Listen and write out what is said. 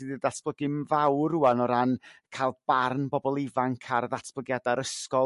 sydd 'di datblygu'n fawr rŵan o ran ca'l barn bobol ifanc ar ddatblygiada'r ysgol